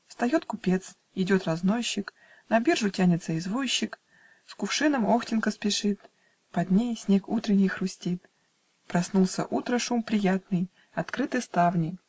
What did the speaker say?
Встает купец, идет разносчик, На биржу тянется извозчик, С кувшином охтенка спешит, Под ней снег утренний хрустит. Проснулся утра шум приятный. Открыты ставни